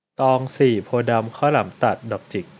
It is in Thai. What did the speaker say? ตองสี่โพธิ์ดำข้าวหลามตัดดอกจิก